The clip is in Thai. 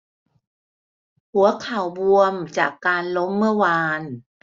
หัวเข่าบวมจากการล้มเมื่อวาน